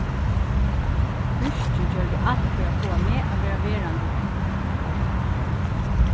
húskið gjørdi alt fyri at fáa meg at verða verandi har